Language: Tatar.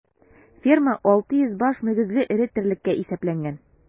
Ферма 600 баш мөгезле эре терлеккә исәпләнгән.